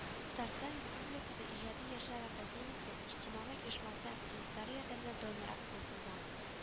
Татарстан Республикасы иҗади яшьләр академиясе иҗтимагый оешмасы активистлары ярдәмендә донор акциясе уза